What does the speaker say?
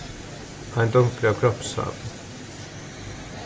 ein dunkur av kropssápu